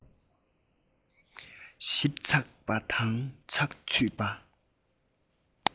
ཞིབ ཚགས པ དང ཚགས ཚུད པ